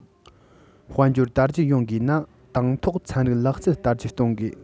དཔལ འབྱོར དར རྒྱས ཡོང དགོས ན དང ཐོག ཚན རིག ལག རྩལ དར རྒྱས གཏོང དགོས